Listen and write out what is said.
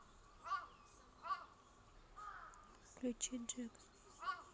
включи джек